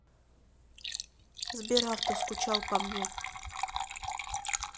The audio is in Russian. сберавто скучал по мне